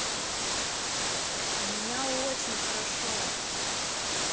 у меня очень хорошо